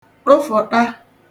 ṭụfụ̀ta